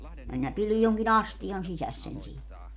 minä pidin jonkin astian sisässä sen siinä